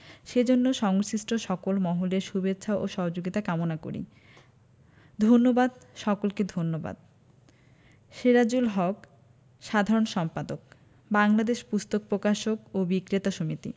সেজন্য সংশ্লিষ্ট সকল মহলের শুভেচ্ছা ও সহযোগিতা কামনা করি ধন্যবাদ সকলকে ধন্যবাদ সেরাজুল হক সাধারণ সম্পাদক বাংলাদেশ পুস্তক প্রকাশক ও বিক্রেতা সমিতি